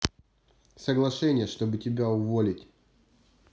соглашение чтоб тебя уволить